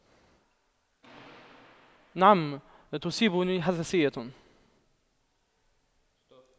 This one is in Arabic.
نعم وتصيبني حساسية